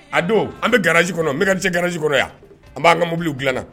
A don an bɛ g garansi kɔnɔ bɛ ka cɛ garansi kɔnɔ yan an b'an ka mobili g dilanna